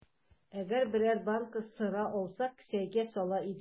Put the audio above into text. Әгәр берәр банка сыра алсак, кесәгә сала идек.